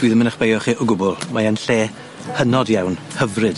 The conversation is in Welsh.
Dwi ddim yn eich beio chi o gwbwl mae e'n lle hynod iawn, hyfryd.